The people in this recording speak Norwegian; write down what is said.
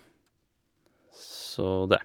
Så det.